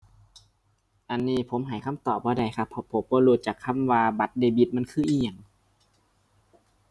อันนี้ผมให้คำตอบบ่ได้ครับ เพราะผมบ่รู้จักคำว่าบัตรเดบิตมันคืออิหยัง